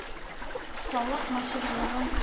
Осталык-маһирлыгын